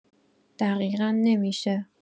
دقیقا نمی‌شه